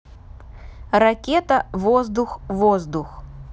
ракета воздух воздух